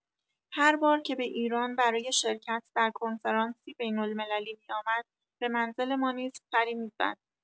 هر بار که به ایران برای شرکت در کنفرانسی بین‌المللی می‌آمد، به منزل ما نیز سری می‌زد.